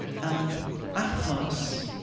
Yym, achos...